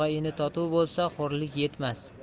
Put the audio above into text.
og'a ini totuv bo'lsa xo'rlik yetmas